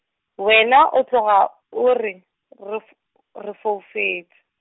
wena o tloga o re, re f-, re foufetše.